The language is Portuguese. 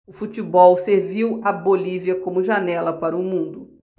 o futebol serviu à bolívia como janela para o mundo